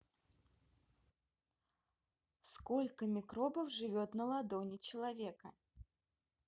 сколько микробов живет на ладони человека